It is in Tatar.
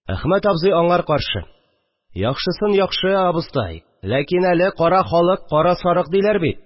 Хмәт абзый аңар каршы: – яхшысын яхшы, абыстай, ләкин әле кара халык – кара сарык диләр бит